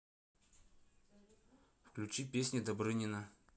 включи песни добрынина